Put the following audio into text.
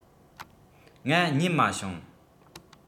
ང རྙེད མ བྱུང